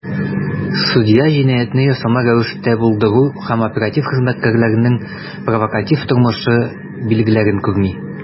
Судья "җинаятьне ясалма рәвештә булдыру" һәм "оператив хезмәткәрләрнең провокатив торышы" билгеләрен күрми.